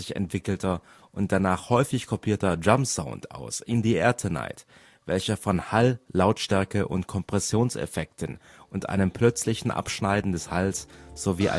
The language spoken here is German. entwickelter und danach häufig kopierter Drumsound? / i aus In the Air Tonight, welcher von Hall -, Lautstärke - und Kompressionseffekten und einem plötzlichen Abschneiden des Halls sowie